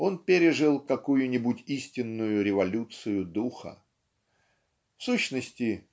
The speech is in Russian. он пережил какую-нибудь истинную революцию духа. В сущности